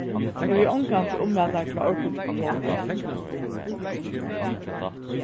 eg verði ongantíð ummælari til orgultónleik